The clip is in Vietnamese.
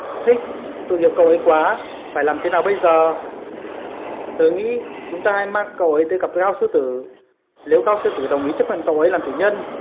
hic tội nghiệp cậu ấy quá phải làm thế nào bây giờ tờ nghĩ chúng ta hãy mang cậu ấy tới gặp gao sư tử nếu gao sư tử chấp nhận cậu ấy làm chủ nhân